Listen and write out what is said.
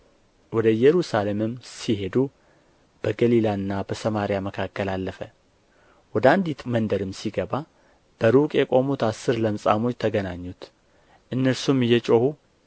ወደ ኢየሩሳሌምም ሲሄድ በገሊላና በሰማርያ መካከል አለፈ ወደ አንዲት መንደርም ሲገባ በሩቅ የቆሙት አሥር ለምጻሞች ተገናኙት እነርሱም እየጮኹ